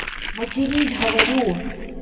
матерись говорю